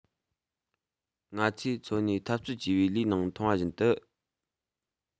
ང ཚོས འཚོ གནས འཐབ རྩོད ཅེས པའི ལེའུ ནང མཐོང བ བཞིན དུ